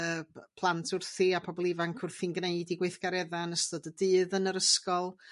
y b- plant wrthi a pobol ifanc wrthi'n gneud 'u gweithgaredda yn ystod y dydd yn yr ysgol.